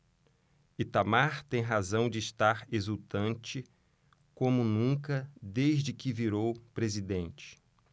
itamar tem razão de estar exultante como nunca desde que virou presidente